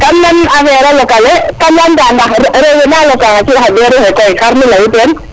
kam nan affaire a lokale kam lamta ndax rewe na loka yo xa cuuɗ xa beeru xe koy xar nu leyu ten